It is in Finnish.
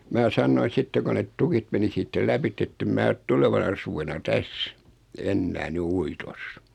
minä sanoin sitten kun ne tukit meni siitä lävitse että en minä ole tulevana suvena tässä enää nyt uitossa